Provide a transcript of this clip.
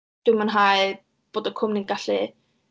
Dwi'n mwynhau bod y cwmni'n gallu...